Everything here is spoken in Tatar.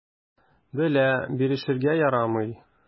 Белә: бирешергә ярамый.